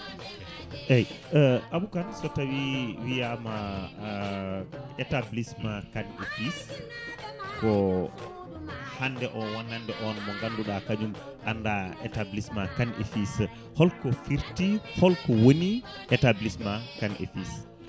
eyyi Abou Kane so tawi wiyama établissement Kane et fils ko hande o wonande on mo ganduɗa kañum anda établissement Kane et fils holko fiirti holko woni établissement Kane et fils